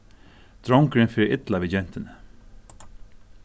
drongurin fer illa við gentuni